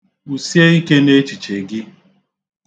Kwusie ike n'echiche gị.